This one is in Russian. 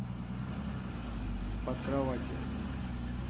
под кроватью